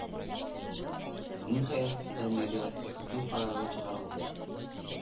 Ниһаять, Фиданиягә хөкем карары чыгарылды.